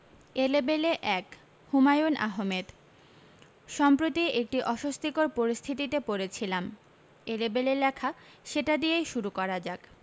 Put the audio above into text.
এলেবেলে ১ হুমায়ূন আহমেদ সম্প্রতি একটি অস্বস্তিকর পরিস্থিতিতে পড়েছিলাম এলেবেলে লেখা সেটা দিয়েই শুরু করা যাক